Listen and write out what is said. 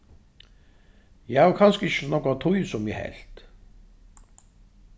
eg havi kanska ikki so nógva tíð sum eg helt